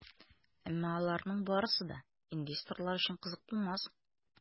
Әмма аларның барысы да инвесторлар өчен кызык булмас.